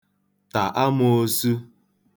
ta amōōsū